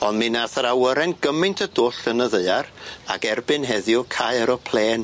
On' mi nath yr awyren gymeint y dwll yn y ddaear ag erbyn heddiw cae eroplên.